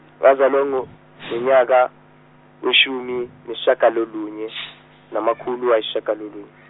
ngazalwa ngo ngonyaka, weshumineshagalolunye , namakhulu ayishagalolunye.